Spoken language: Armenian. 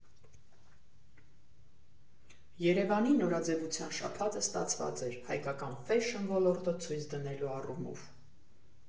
Երևանի նորաձևության շաբաթը ստացված էր՝ հայկական ֆեշըն ոլորտը ցույց դնելու առումով։